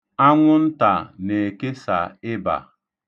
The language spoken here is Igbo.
Anwụnta na-ekesa ịba.